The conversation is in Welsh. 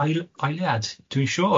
...ail- eiliad dwi'n siŵr.